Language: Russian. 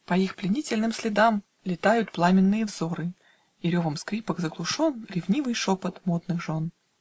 По их пленительным следам Летают пламенные взоры, И ревом скрыпок заглушен Ревнивый шепот модных жен.